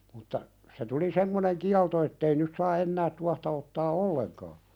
mutta se tuli semmoinen kielto että ei nyt saa enää tuohta ottaa ollenkaan